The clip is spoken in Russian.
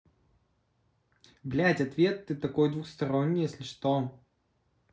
блядь ответ ты такой двухсторонний если что